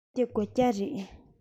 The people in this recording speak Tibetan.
འདི སྒོ ལྕགས རེད